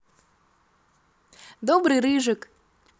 добрый рыжик